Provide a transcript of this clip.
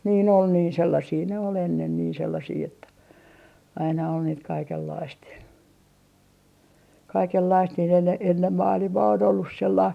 niin oli niin sellaisia ne oli ennen niin sellaisia että aina oli niitä kaikenlaista ja kaikenlaista niin enne enne maailmaa on ollut sellaista